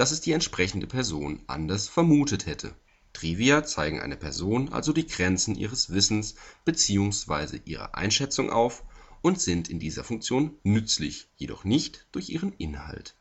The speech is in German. es die entsprechende Person anders vermutet hätte – Trivia zeigen einer Person also die Grenzen ihres Wissens bzw. ihrer Einschätzung auf und sind in dieser Funktion nützlich, jedoch nicht durch ihren Inhalt